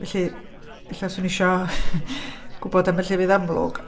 Felly... Ella 'swn i isio gwybod am y llefydd amlwg...